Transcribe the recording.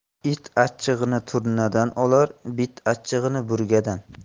it achchig'ini turnadan olar bit achchig'ini burgadan